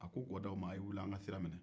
a ko gɔdaw ma aw ye wuli an ka sira minɛ